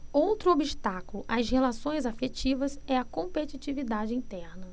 outro obstáculo às relações afetivas é a competitividade interna